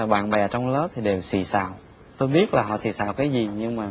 bạn bè trong lớp đều xì xào tôi biết là họ xì xào cái gì nhưng mà